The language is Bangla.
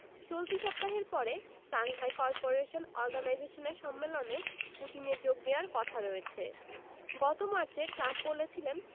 চলতি সপ্তাহের পরে সাংহাই করপোরেশন অর্গানাইজেশনের সম্মেলনে পুতিনের যোগ দেওয়ার কথা রয়েছে গত মার্চে ট্রাম্প বলেছিলেন